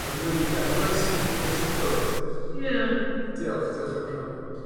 Ma'n rilli ye ma'n neis i neis i clywed. Ie. Diolch. Diolch am rhannu.